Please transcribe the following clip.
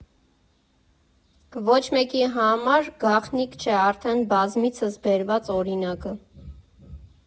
Ոչ մեկի համար գաղտնիք չէ արդեն բազմիցս բերված օրինակը.